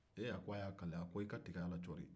ee a k'a y'i kale a k'i ka tɛgɛ a la cɔri